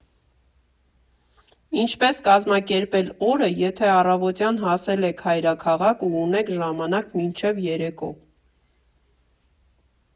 Ինչպես կազմակերպել օրը, եթե առավոտյան հասել եք հայրաքաղաք ու ունեք ժամանակ մինչև երեկո։